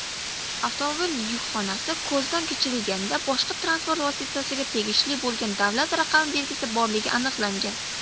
avtomobil yukxonasi ko'zdan kechirilganda boshqa transport vositasiga tegishli bo'lgan davlat raqami belgisi borligi aniqlangan